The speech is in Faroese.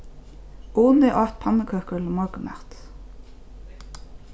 uni át pannukøkur til morgunmat